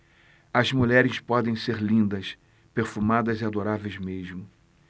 as mulheres podem ser lindas perfumadas e adoráveis mesmo